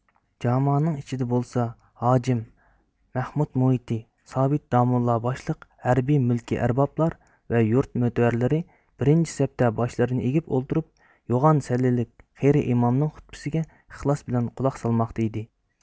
جامانىڭ ئىچىدە بولسا ھاجىم مەھمۇت مۇھىتى سابىت داموللا باشلىق ھەربىي مۈلكىي ئەربابلار ۋە يۇرت مۆتىۋەرلىرى بىرىنچى سەپتە باشلىرىنى ئېگىپ ئولتۇرۇپ يوغان سەللىلىك قېرى ئىمامنىڭ خۇتبىسىگە ئىخلاس بىلەن قۇلاق سالماقتا ئىدى